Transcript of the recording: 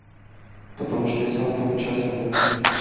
потому что я сам там участвовал